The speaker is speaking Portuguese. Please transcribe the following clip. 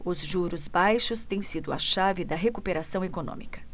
os juros baixos têm sido a chave da recuperação econômica